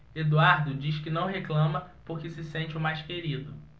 eduardo diz que não reclama porque se sente o mais querido